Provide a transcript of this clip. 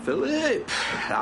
Philip,